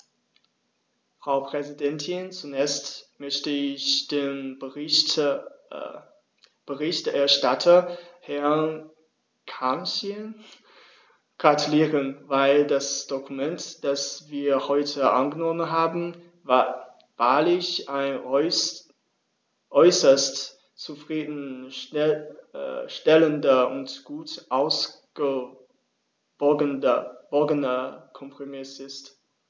Frau Präsidentin, zunächst möchte ich dem Berichterstatter Herrn Cancian gratulieren, weil das Dokument, das wir heute angenommen haben, wahrlich ein äußerst zufrieden stellender und gut ausgewogener Kompromiss ist.